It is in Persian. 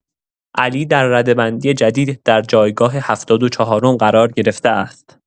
علی در رده‌بندی جدید در جایگاه هفتاد و چهارم قرار گرفته است.